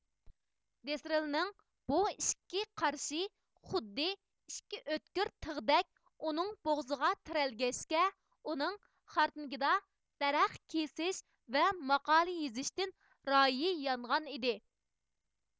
دىسرېلىنىڭ بۇ ئىككى قارىشى خۇددى ئىككى ئۆتكۈر تىغدەك ئۇنىڭ بوغۇزىغا تىرەلگەچكە ئۇنىڭ خارتىنگدا دەرەخ كېسىش ۋە ماقالە يېزىشتىن رايى يانغان ئىدى